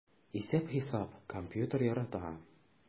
Исәп-хисап, компьютер ярата...